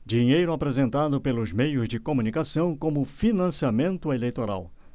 dinheiro apresentado pelos meios de comunicação como financiamento eleitoral